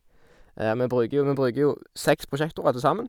vi bruker jo Vi bruker jo seks prosjektorer til sammen.